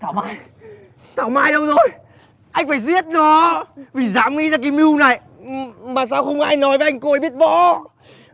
thảo mai thảo mai đâu rồi anh phải giết nó dám nghĩ ra cái miu này mà sao không ai nói với anh cô ấy biết võ